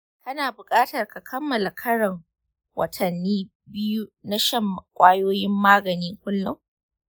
kana buƙatar ka kammala karin watanni biyu na shan ƙwayoyin magani kullum.